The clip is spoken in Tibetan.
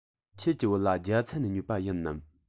ཁྱེད ཀྱི བོད ལྭ རྒྱ ཚ ནས ཉོས པ ཡིན ནམ